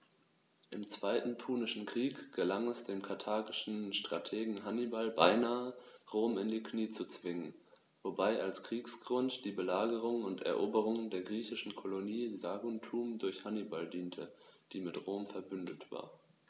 Im Zweiten Punischen Krieg gelang es dem karthagischen Strategen Hannibal beinahe, Rom in die Knie zu zwingen, wobei als Kriegsgrund die Belagerung und Eroberung der griechischen Kolonie Saguntum durch Hannibal diente, die mit Rom „verbündet“ war.